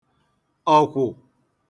ọ̀kwụ̀